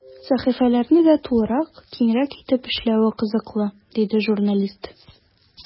Сәхифәләрне дә тулырак, киңрәк итеп эшләве кызыклы, диде журналист.